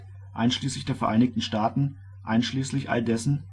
Vereinigten Staaten, einschließlich all dessen